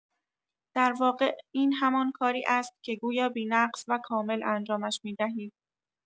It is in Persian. درواقع این همان کاری است که گویا بی‌نقص و کامل انجامش می‌دهید.